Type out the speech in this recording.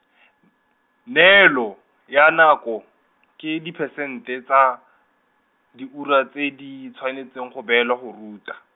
n- neelo, ya nako, ke diphesente tsa, diura tse di tshwanetseng go beelwa go ruta.